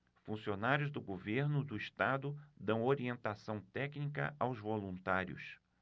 funcionários do governo do estado dão orientação técnica aos voluntários